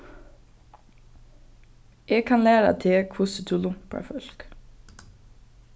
eg kann læra teg hvussu tú lumpar fólk